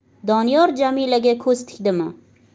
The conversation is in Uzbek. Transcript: doniyor jamilaga ko'z tikdimi